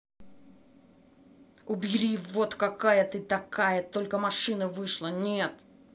убери вот какая ты такая только машина вышла нет